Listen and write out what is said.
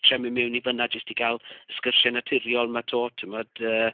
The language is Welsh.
Trio mynd mewn i fan'na jyst i gael y sgyrsie naturiol 'ma eto timod, yy.